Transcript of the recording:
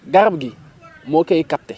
garab gi moo koy capté